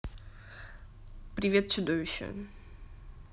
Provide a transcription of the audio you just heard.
привет чудовище